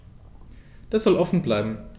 Das soll offen bleiben.